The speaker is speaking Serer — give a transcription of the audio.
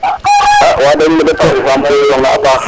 *